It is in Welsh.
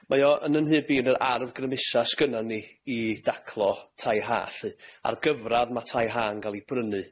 Mae o yn 'yn nhyb i yn yr arf grymusa' s'gynnan ni i daclo tai ha lly, a'r gyfradd ma' tai ha'n ga'l 'i brynu.